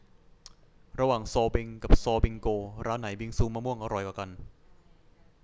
ระหว่างซอลบิงกับซอบิงโกร้านไหนบิงซูมะม่วงอร่อยกว่ากัน